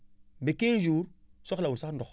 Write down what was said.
ba 15 jours soxlawul sax ndox